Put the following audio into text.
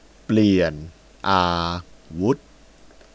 เปลี่ยนอาวุธ